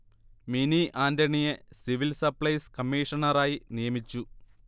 mini ആന്റണിയെ civil supplies കമീഷണറായി നിയമിച്ചു